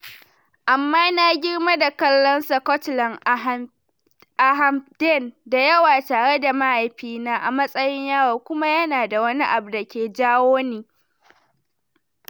"Amma na girma da kallon Scotland a Hampden da yawa tare da mahaifina a matsayin yaro, kuma yana da wani abu da ke jawoni.